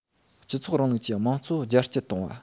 སྤྱི ཚོགས རིང ལུགས ཀྱི དམངས གཙོ རྒྱ བསྐྱེད གཏོང བ